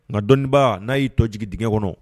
Nka dɔnniinba n'a y'i tɔjigi dgɛ kɔnɔ